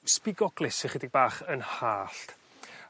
sbigoglys ychydig bach yn hallt.